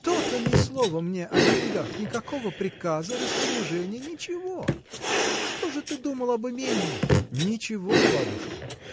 То-то ты ни слова мне о деньгах, никакого приказа, распоряжения, ничего! Что же ты думал об имении? — Ничего, бабушка.